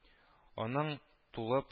Аның тулып